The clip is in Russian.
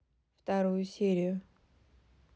вторую серию